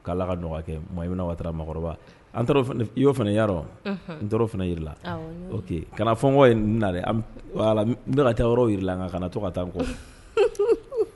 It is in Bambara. K'Ala ka nɔgɔya kɛ Maimouna Wattara maakɔrɔba an taar'o fɛnɛ f i y'o fɛnɛ ye yarɔɔ unhun n tor'o fɛnɛ yir'i la awɔɔ ɲ'o ye ok kana fɔn kɔ ye n na dɛ an b voilà n n be ka taa yɔrɔw yir'i la ŋa kana to ka taa n kɔ